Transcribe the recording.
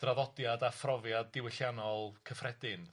...draddodiad a phrofiad diwylliannol cyffredin.